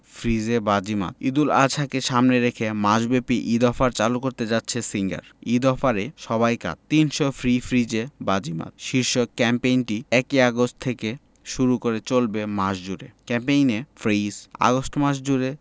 ফ্রিজে বাজিমাত ঈদুল আজহাকে সামনে রেখে মাসব্যাপী ঈদ অফার চালু করতে যাচ্ছে সিঙ্গার ঈদ অফারে সবাই কাত ৩০০ ফ্রি ফ্রিজে বাজিমাত শীর্ষক ক্যাম্পেইনটি ১ ই আগস্ট থেকে শুরু করে চলবে মাস জুড়ে ক্যাম্পেইনে ফ্রিজ আগস্ট মাস জুড়ে